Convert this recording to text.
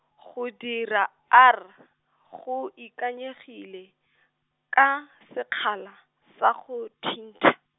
go dira R, go ikanyegile, ka sekgala, sa go thintha.